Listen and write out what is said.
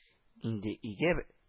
Инде өйгәб